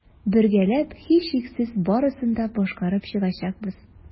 Бергәләп, һичшиксез, барысын да башкарып чыгачакбыз.